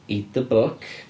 Eat the book.